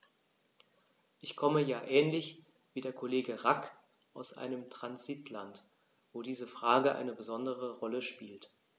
Ich komme ja ähnlich wie der Kollege Rack aus einem Transitland, wo diese Frage eine besondere Rolle spielt.